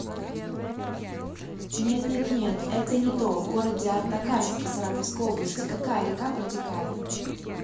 нет нет нет это не то в городе аткарске саратовской области какая река протекает